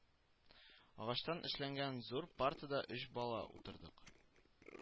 Агачтан эшләнгән зур партада өч бала утырдык